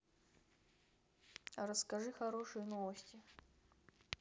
а расскажи хорошие новости